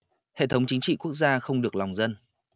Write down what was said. hệ thống chính trị quốc gia không được lòng dân